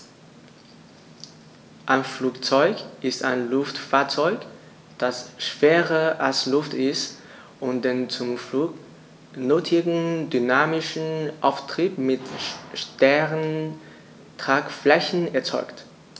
Ein Flugzeug ist ein Luftfahrzeug, das schwerer als Luft ist und den zum Flug nötigen dynamischen Auftrieb mit starren Tragflächen erzeugt.